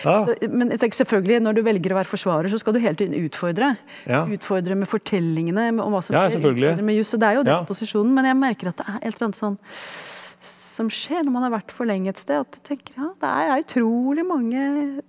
så men jeg tenker selvfølgelig når du velger å være forsvarer så skal du hele tiden utfordre, utfordre med fortellingene med om hva som skjer utfordre med juss, så det er jo den posisjonen, men jeg merker at det er ett eller annet sånn som skjer når man har vært for lenge sted, at du tenker ja det her er utrolig mange .